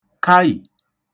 kaì